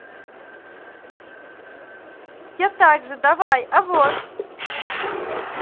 я также давай а вот